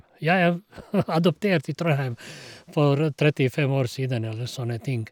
Jeg er adoptert i Trondheim for trettifem år siden, eller sånne ting.